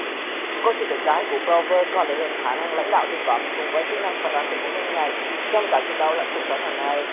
cô sư tử cái của clover còn thể hiện khả năng lãnh đạo thiên bẩm cùng với kĩ năng phán đoán tình huống nhanh nhạy trong cả chiến đấu lẫn cuộc sống hằng ngày